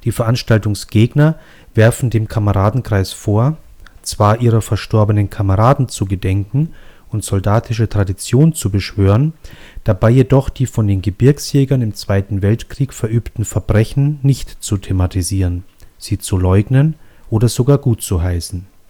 Veranstaltungsgegner werfen dem Kameradenkreis vor, zwar ihrer verstorbenen Kameraden zu gedenken und soldatische Traditionen zu beschwören, dabei jedoch die von Gebirgsjägern im Zweiten Weltkrieg verübten Verbrechen nicht zu thematisieren, sie zu leugnen oder sogar gut zu heißen